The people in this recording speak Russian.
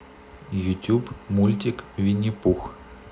ютуб мультик винни пух